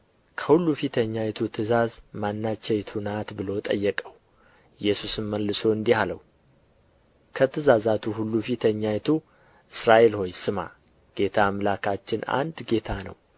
ከሁሉ ፊተኛይቱ ትእዛዝ ማናቸይቱ ናት ብሎ ጠየቀው ኢየሱስም መልሶ እንዲህ አለው ከትእዛዛቱ ሁሉ ፊተኛይቱ እስራኤል ሆይ ስማ ጌታ አምላካችን አንድ ጌታ ነው